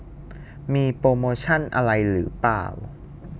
มีโปรโมชั่นอะไรหรือเปล่า